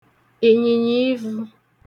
ị̀nyị̀nyìivū